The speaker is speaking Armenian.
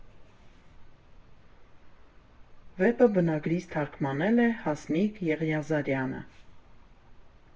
Վեպը բնագրից թարգմանել է Հասմիկ Եղիազարյանը։